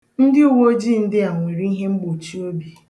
Ndi Uweojii ndị a nwere ihemgbochiobi